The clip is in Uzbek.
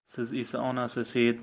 siz esa onasi seit